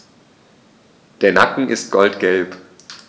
Der Nacken ist goldgelb.